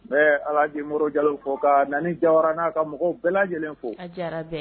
N bɛ Alaji Moribo Jalo fo, ka Naani Jawara n'a ka mɔgɔw bɛɛ lajɛlen fo. A diyara bɛɛ ye.